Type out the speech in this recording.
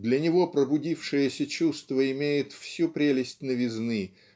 для него пробудившееся чувство имеет всю прелесть новизны